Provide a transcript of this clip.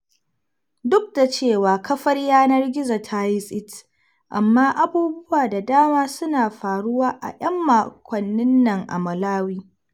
Duk da cewa kafar yanar gizo ta yi tsit, amma abubuwa da dama suna faruwa a 'yan makwannin nan a Malawi.